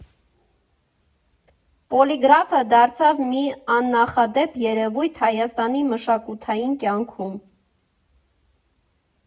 Պոլիգրաֆը դարձավ մի աննախադեպ երևույթ Հայատանի մշակութային կյանքում։